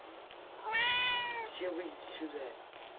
все выйди отсюда